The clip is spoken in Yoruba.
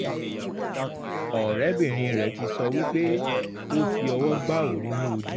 Ọ̀rẹ́bìnrin rẹ̀ ti sọ wí pé ó fi ọwọ gbá òun ní ojú.